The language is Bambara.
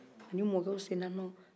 ani mɔkɛw senda nɔ na